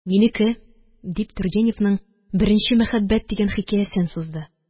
– минеке, – дип, тургеневның «беренче мәхәббәт» дигән хикәясен сузды.